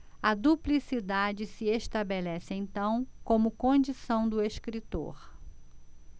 a duplicidade se estabelece então como condição do escritor